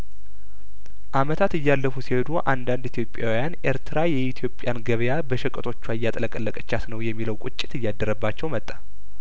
አመታት እያለፉ ሲሄዱ አንዳንድ ኢትዮጵያውያን ኤርትራ የኢትዮጵያን ገበያ በሸቀጦቿ እያጥለቀለቀቻት ነው የሚለው ቁጭት እያደረባቸው መጣ